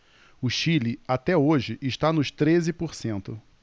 o chile até hoje está nos treze por cento